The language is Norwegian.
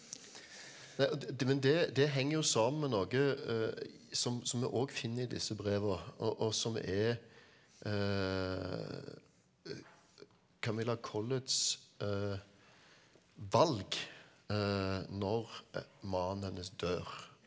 nei og men det det henger jo sammen med noe som som vi òg finner i disse brevene og og som er Camilla Colletts valg når mannen hennes dør.